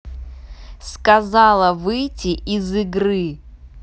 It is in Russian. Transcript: сказала выйти из игры